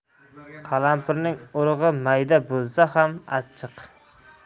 qalampirning urug'i mayda bo'lsa ham achchiq